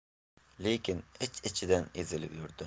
lekin ich ichidan ezilib yurdi